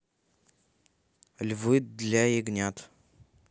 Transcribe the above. львы для ягнят